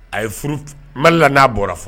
A ye furu malila n'a bɔra fɔ